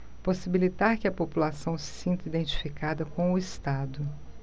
possibilitar que a população se sinta identificada com o estado